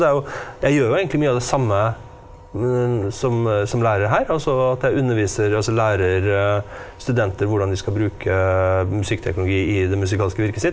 det er jo jeg gjør jo egentlig mye av det samme som som lærer her, altså at jeg underviser, altså lærer studenter hvordan de skal bruke musikkteknologi i det musikalske virket sitt.